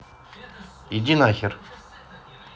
иди нахер